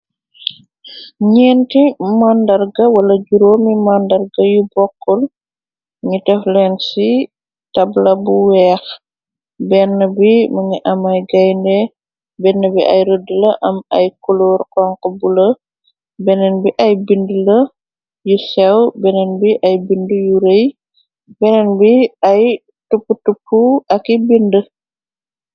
Nyeenti màndarga wala juróomi màndarga, yu bokkul nyu defaleen ci tabla bu weex, benn bi mëngi amme gayde, benn bi ay rëdd la, am ay koloor xonxu, bula, beneen bi ay bind la yu sew, beneen bi ay bind yu rëy, beneen bi ay tup-tupu aki bind.